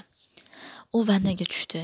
u vannaga tushdi